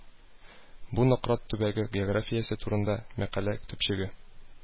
Бу Нократ төбәге географиясе турында мәкалә төпчеге